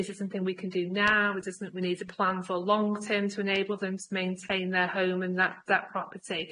is there something we can do now, does n- we need to plan for long term to enable them to maintain their home and that that property.